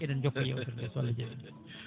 eɗen jokka yewtere nde so Allah jaaɓi